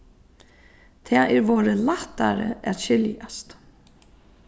tað er vorðið lættari at skiljast